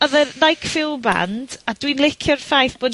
odd yr Nike Fuel Band, a dwi'n licio'r ffaith bod...